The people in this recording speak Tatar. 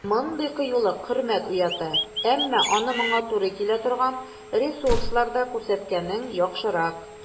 Мондый кыюлык хөрмәт уята, әмма аны моңа туры килә торган ресурсларда күрсәткәнең яхшырак.